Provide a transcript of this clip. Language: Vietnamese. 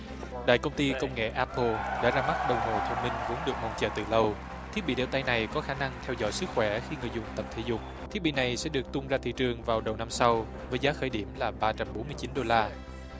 đại công ty công nghệ áp pồ đã ra mắt đồng hồ thông minh vốn được mong chờ từ lâu thiết bị đeo tay này có khả năng theo dõi sức khỏe khi người dùng tập thể dục thiết bị này sẽ được tung ra thị trường vào đầu năm sau với giá khởi điểm là ba trăm bốn mươi chín đô la